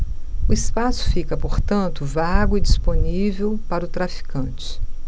o espaço fica portanto vago e disponível para o traficante